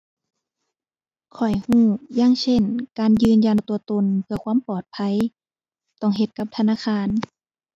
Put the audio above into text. ข้อยรู้ อย่างเช่นการยืนยันตัวตนเพื่อความปลอดภัย ต้องเฮ็ดกับธนาคาร